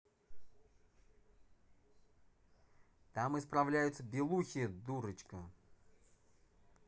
там исправляются белухи дурочка